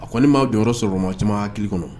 A ko ni m maa'a jɔyɔrɔyɔrɔ sɔrɔ ma caman hakili kɔnɔ